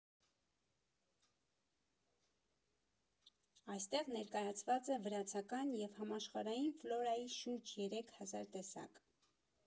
Այստեղ ներկայացված է վրացական և համաշխարհային ֆլորայի շուրջ երեք հազար տեսակ։